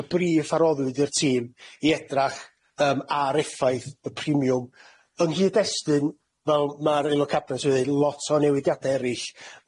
y brîf a roddwyd i'r tîm i edrach yym a'r effaith y premium ynghyd-destun yym a'r effaith y premium ynghyd-destun fel ma'r Ailwcabinet yn ddeud lot o newidiade eryll,